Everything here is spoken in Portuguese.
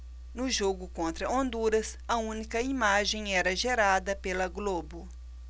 no jogo contra honduras a única imagem era gerada pela globo